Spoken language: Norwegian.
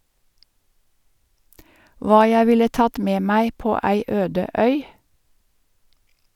Hva jeg ville tatt med meg på ei øde øy?